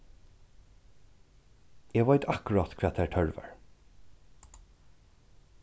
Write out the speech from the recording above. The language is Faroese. eg veit akkurát hvat tær tørvar